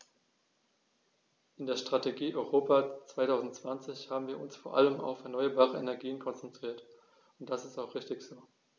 In der Strategie Europa 2020 haben wir uns vor allem auf erneuerbare Energien konzentriert, und das ist auch richtig so.